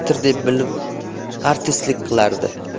deb bilib artistlik qilardi